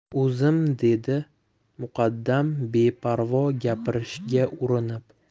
o'zim dedi muqaddam beparvo gapirishga urinib